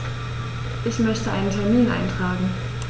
Ich möchte einen Termin eintragen.